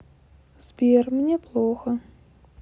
сбер мне плохо